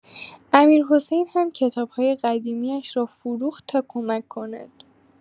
امیرحسین هم کتاب‌های قدیمی‌اش را فروخت تا کمک کند.